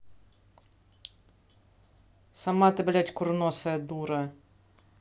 сама ты блядь курносая дура